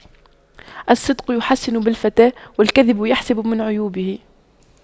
الصدق يحسن بالفتى والكذب يحسب من عيوبه